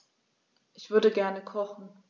Ich würde gerne kochen.